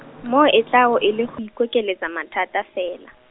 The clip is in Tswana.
moo e tla bo e le go ikokeletsa mathata fela.